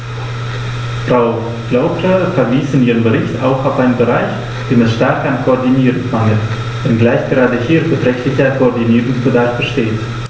Frau Flautre verwies in ihrem Bericht auch auf einen Bereich, dem es stark an Koordinierung mangelt, wenngleich gerade hier beträchtlicher Koordinierungsbedarf besteht.